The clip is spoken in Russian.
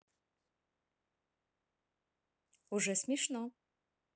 уже смешно